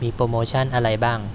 มีโปรโมชั่นอะไรบ้าง